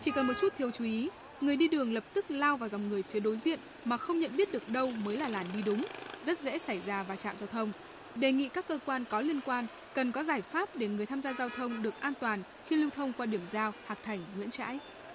chỉ cần một chút thiếu chú ý người đi đường lập tức lao vào dòng người phía đối diện mà không nhận biết được đâu mới là làn đi đúng rất dễ xảy ra va chạm giao thông đề nghị các cơ quan có liên quan cần có giải pháp để người tham gia giao thông được an toàn khi lưu thông qua điểm giao hạc thành nguyễn trãi